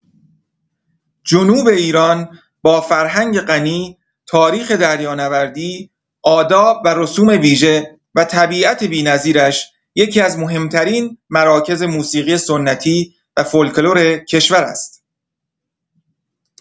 جنوب ایران با فرهنگ غنی، تاریخ دریانوردی، آداب و رسوم ویژه و طبیعت بی‌نظیرش یکی‌از مهم‌ترین مراکز موسیقی سنتی و فولکلور کشور است.